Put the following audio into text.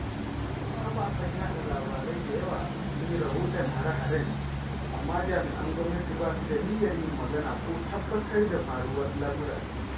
Kafafen yaɗa labarai da yawa sun yi rahoton hare-haren, amma jami'an gwamnati ba su da niyyar yin magana ko tabbatar da faruwar lamuran.